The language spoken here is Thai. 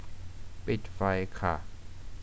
ปิดไฟค่ะ